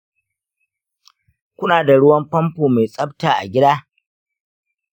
kuna da ruwan famfo mai tsabta a gida?